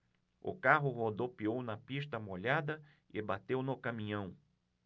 o carro rodopiou na pista molhada e bateu no caminhão